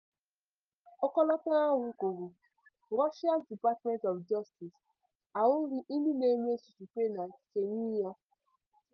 Ọkọlọtọ ahụ kwuru: RUSSIA'S DEPARTMENT OF JUSTICE ahụghị ndị na-eme susupe na CHECHNYA.